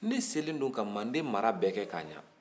ne selen don ka manden mara bɛɛ kɛ ka ɲa